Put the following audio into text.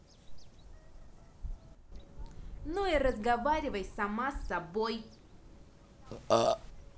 ну и разговаривай сама с собой